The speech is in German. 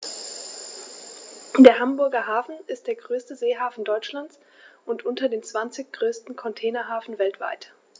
Der Hamburger Hafen ist der größte Seehafen Deutschlands und unter den zwanzig größten Containerhäfen weltweit.